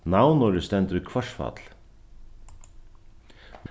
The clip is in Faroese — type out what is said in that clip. navnorðið stendur í hvørsfalli